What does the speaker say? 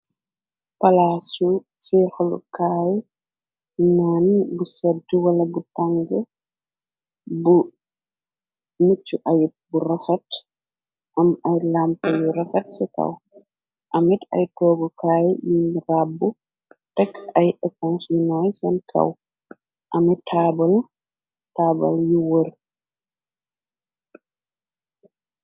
Palaasu cixlukaal naan bu sedt wala bu tang bu miccu ayib bu rosat am ay lamp yu rafat ci kaw amit ay toogu kaay yin rabb tekk ay epons li nooy seen kaw ami aataabal yu wër.